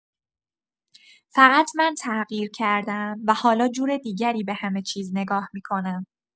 فقط من تغییر کرده‌ام و حالا جور دیگری به همه‌چیز نگاه می‌کنم.